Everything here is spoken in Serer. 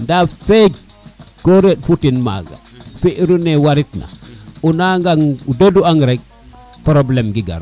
nda feek ko refo ten maga fi iro ne warit na o naga do dodu an rek probleme ke ngaro